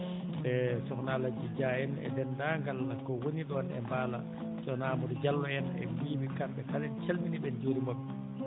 e sokhna Alaji Dia en e denndaangal ko woni ɗon e Mbala ceerno Amadou Diallo en e mbimi kamɓe kala en calminii ɓe en njuuriima ɓe